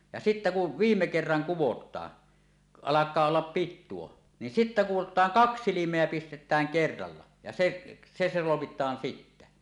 ja sitten kun viime kerran kudotaan alkaa olla pituus niin sitten kudotaan kaksi silmää pistetään kerralla ja se se solmitaan sitten